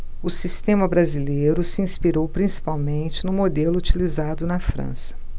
o sistema brasileiro se inspirou principalmente no modelo utilizado na frança